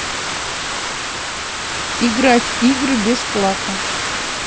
играть игры бесплатно